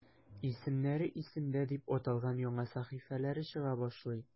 "исемнәре – исемдә" дип аталган яңа сәхифәләр чыга башлый.